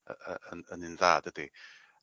y- y- yn yn un dda dydi?